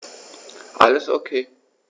Alles OK.